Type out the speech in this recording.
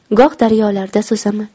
goh daryolarda suzaman